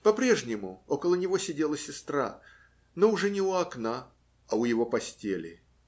По-прежнему около него сидела сестра, но уже не у окна, а у его постели